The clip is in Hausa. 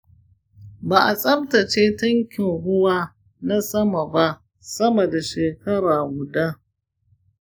ba a tsaftace tankin ruwa na sama ba sama da shekara guda.